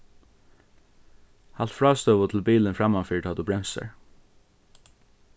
halt frástøðu til bilin frammanfyri tá tú bremsar